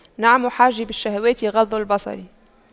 نعم حاجب الشهوات غض البصر